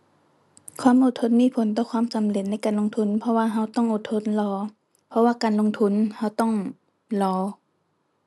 ความอดทนมีผลต่อความสำเร็จในการลงทุน เพราะว่าเราต้องอดทนรอ เพราะว่าการลงทุนเราต้องรอ